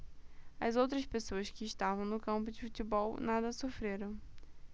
as outras pessoas que estavam no campo de futebol nada sofreram